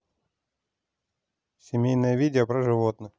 смешные видео про животных